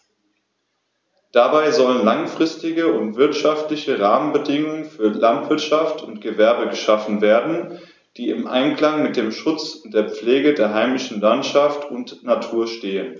Dabei sollen langfristige und wirtschaftliche Rahmenbedingungen für Landwirtschaft und Gewerbe geschaffen werden, die im Einklang mit dem Schutz und der Pflege der heimischen Landschaft und Natur stehen.